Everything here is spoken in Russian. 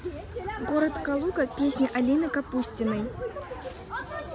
город калуга песни алины капустиной